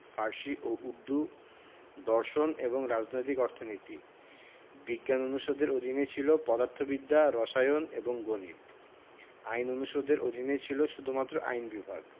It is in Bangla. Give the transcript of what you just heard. ফার্সি ও উর্দু দর্শন এবং রাজনৈতিক অর্থনীতি বিজ্ঞান অনুষদের অধীনে ছিল পদার্থবিদ্যা রসায়ন এবং গণিত আইন অনুষদের অধীনে ছিল শুধুমাত্র আইন বিভাগ